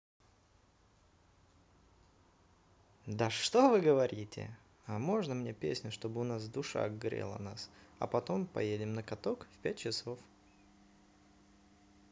да что вы говорите а можно мне песню чтобы у нас душа грела нас а потом поедем на каток в пять часов